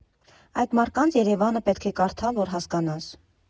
Այդ մարդկանց՝ Երևանը, պետք է կարդալ, որ հասկանաս։